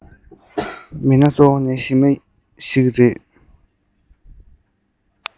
མི སྣ གཙོ བོ ནི ཞི མི ཞིག རེད